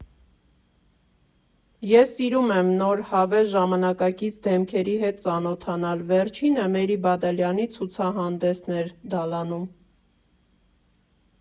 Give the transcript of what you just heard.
Ես սիրում եմ նոր, հավես, ժամանակակից դեմքերի հետ ծանոթանալ, վերջինը Մերի Բադալյանի ցուցահանդեսն էր Դալանում։